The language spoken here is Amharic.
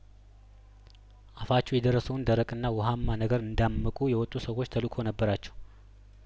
አፋቸው የደረሰውን ደረቅና ወሀማ ነገር እንዳመቁ የወጡ ሰዎች ተልእኮ ነበራቸው